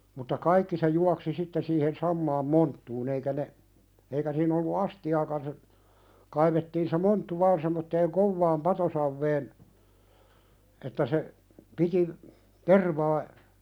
mutta kaikki se juoksi sitten siihen samaan monttuun eikä ne eikä siinä ollut astiaakaan se kaivettiin se monttu vain semmoiseen kovaan patosaveen että se piti tervaa